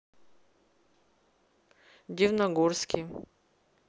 дивногорский